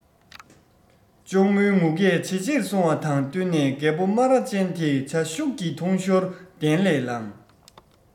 གཅུང མོའི ངུ སྐད ཇེ ཆེར སོང བ དང བསྟུན ནས རྒད པོ སྨ ར ཅན དེས ཇ ཤུགས ཀྱིས འཐུང ཞོར གདན ལས ལངས